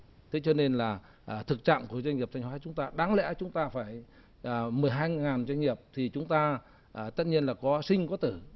thế cho nên là thực trạng của doanh nghiệp thanh hóa chúng ta đáng lẽ chúng ta phải mười hai ngàn doanh nghiệp thì chúng ta ờ tất nhiên là có sinh có tử